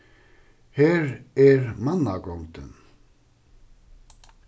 her er mannagongdin